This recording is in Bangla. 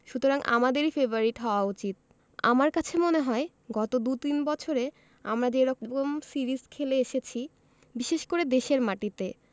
সুতরাং আমাদেরই ফেবারিট হওয়া উচিত আমার কাছে মনে হয় গত দু তিন বছরে আমরা যে রকম সিরিজ খেলে এসেছি বিশেষ করে দেশের মাটিতে